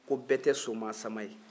ko bɛɛ tɛ somaa sanba ye